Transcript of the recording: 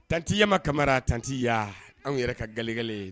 Tanti Yama Kamara, tanti Ya, anw yɛrɛ ka gale gale